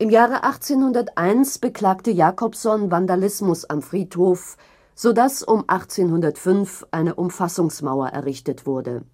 Jahre 1801 beklagte Jacobson Vandalismus am Friedhof, so dass um 1805 eine Umfassungsmauer errichtet wurde